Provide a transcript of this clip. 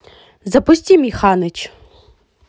запусти миханыч